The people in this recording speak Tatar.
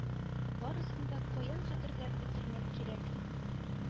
Барысын да каян хәтерләп бетермәк кирәк.